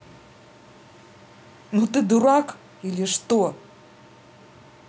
ну ты дурак или что